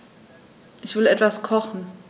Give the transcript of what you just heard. Ich will etwas kochen.